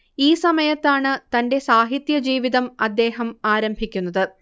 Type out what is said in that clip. ഈ സമയത്താണ് തന്റെ സാഹിത്യ ജീവിതം അദ്ദേഹം ആരംഭിക്കുന്നത്